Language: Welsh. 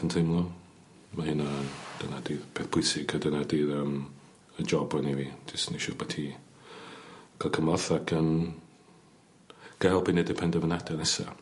yn teimlo. Ma' hynna yn dyna 'di peth pwysig a dyna 'di'r yym y job hwn i fi jys neu' siŵr bod hi ca'l cymorth ac yn ga'l help i neud y penderfynade nesa.